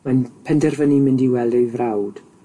Ma'n penderfynu mynd i weld ei frawd